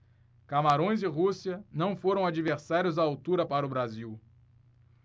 camarões e rússia não foram adversários à altura para o brasil